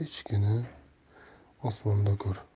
echkini osmonda ko'r